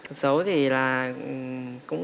tật xấu thì là cũng